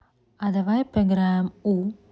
а давай поиграем у